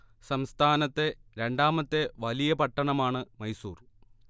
സംസ്ഥാനത്തെ രണ്ടാമത്തെ വലിയ പട്ടണമാണ് മൈസൂർ